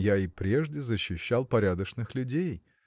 – Я и прежде защищал порядочных людей.